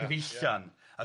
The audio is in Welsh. cyfeillion